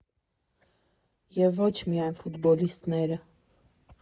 Եվ ոչ միայն ֆուտբոլիստները։